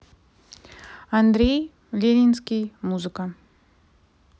андрей ленинский музыка